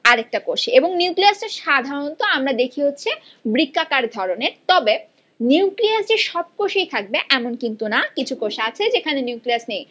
আরেকটা কোষে নিউক্লিয়াসের সাধারণত আমরা দেখি হচ্ছে বৃত্তাকার ধরণের তবে নিউক্লিয়াস যে সব কোষেই থাকবে এমন কিন্তু না কিছু কোষ আছে যেখানে নিউক্লিয়াস নেই